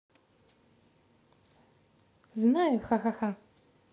знаю хахаха